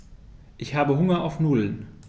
Ich habe Hunger auf Nudeln.